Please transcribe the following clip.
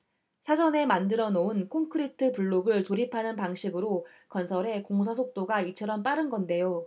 사전에 만들어 놓은 콘크리트 블록을 조립하는 방식으로 건설해 공사 속도가 이처럼 빠른 건데요